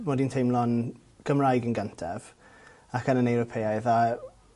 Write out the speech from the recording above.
mod i'n teimlo'n Cymraeg yn gyntaf ac yna'n Ewropeaidd a